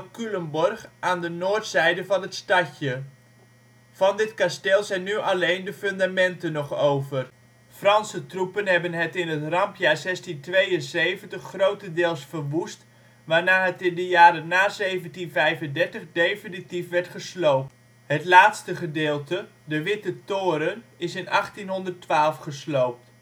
Culemborg aan de noordzijde van het stadje. Van dit kasteel zijn nu alleen de fundamenten nog over. Franse troepen hebben het in het rampjaar 1672 grotendeels verwoest waarna het in de jaren na 1735 definitief werd gesloopt. Hel Laatste gedeelte, de Witte Toren is in 1812 gesloopt